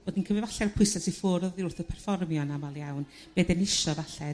bod ni'n cym'yd falla pwyslais i ffwr' oddi wrth y perfformio'n amal iawn be' dyn ni isio falle